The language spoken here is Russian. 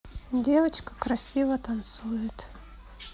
девочка красиво танцует